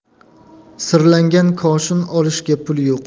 sirlangan koshin olish ga pul yo'q